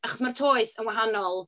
Achos mae'r toes yn wahanol.